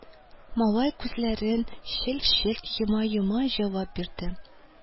Малай күзләрен челт-челт йома-йома җавап бирде: